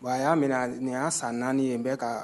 Bon a y'a minɛ nin y'a san naani ye n bɛɛ ka